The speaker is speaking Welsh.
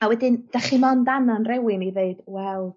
A wedyn 'dach chi i ddeud wel...